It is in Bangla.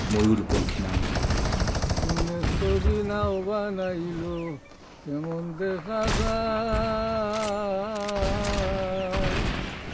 ময়ূরপঙ্খী নায় কোন মিস্তুরি নাউ বানাইলো কেমন দেখা যায়